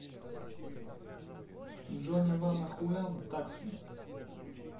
johnny wanna хуана как тебе